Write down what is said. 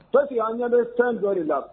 Est ce que an ɲɛ bɛ fɛn dɔ de la?